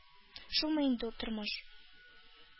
Шулмы инде тормыш!